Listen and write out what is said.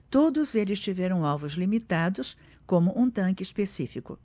todos eles tiveram alvos limitados como um tanque específico